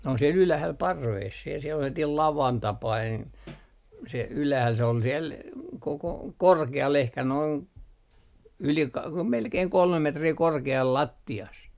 ne on siellä ylhäällä parvessa siellä sellainen lavan tapainen se ylhäällä se oli siellä koko korkealla ehkä noin yli - melkein kolme metriä korkealla lattiasta